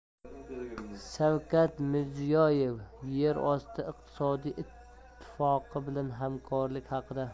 shavkat mirziyoyev yevrosiyo iqtisodiy ittifoqi bilan hamkorlik haqida